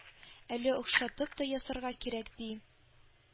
Әле охшатып та ясарга кирәк, ди...